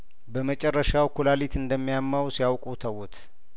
በመጨረሻው ኩላሊት እንደሚያመው ሲያውቁ ተውት